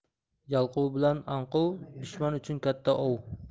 yalqov bilan anqov dushman uchun katta ov